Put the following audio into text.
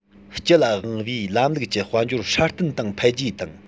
སྤྱི ལ དབང བའི ལམ ལུགས ཀྱི དཔལ འབྱོར སྲ བརྟན དང འཕེལ རྒྱས བཏང